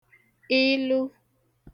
ilu